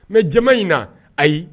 Mɛ jama in na ayi